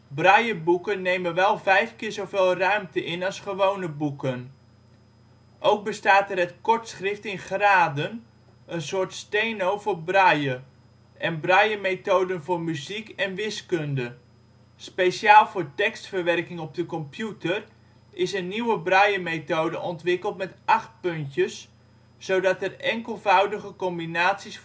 Brailleboeken nemen wel 5 keer zoveel volume in als gewone boeken. Ook bestaat er het Kortschrift in graden, een soort steno voor braille, en braillemethoden voor muziek en wiskunde. Speciaal voor tekstverwerking op de computer is een nieuwe braillemethode ontwikkeld met 8 puntjes, zodat er enkelvoudige combinaties